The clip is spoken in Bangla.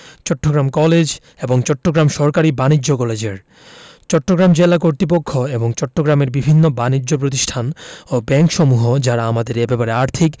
চট্টগ্রাম কলেজ এবং চট্টগ্রাম সরকারি বাণিজ্য কলেজের চট্টগ্রাম জেলা কর্তৃপক্ষ এবং চট্টগ্রামের বিভিন্ন বানিজ্য প্রতিষ্ঠান ও ব্যাংকসমূহ যারা আমাদের এ ব্যাপারে আর্থিক